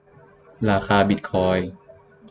ราคาบิทคอยน์